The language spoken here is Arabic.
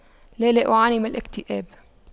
لا لا أعاني من اكتئاب